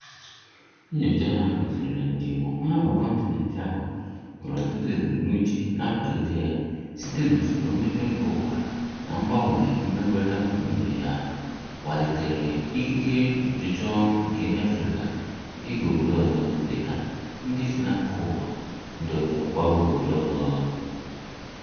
Nnyocha ha gosiri na njem nhapụ kọntinent ahụ nwere ọtụtụ ebumnuche na-akwalite ya site n'usoro mmepe mbaụwa na mgbanwe mmekọrịta mmadụ na ibe ya" kwalitere ikike na ọchịchọ nke ndị Afrịka ịga obodo ọzọ- dịka ndị si n'akụkụ ụwa ndị ọzọ kwaga obodo ọzọ.